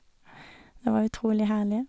Det var utrolig herlig.